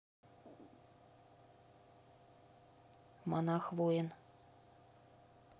монах воин